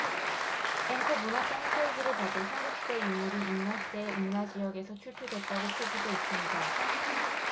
앵커 문화청 홈페이지를 봐도 삼국시대의 유물이 임나시대에 임나지역에서 출토됐다고 표기돼 있습니다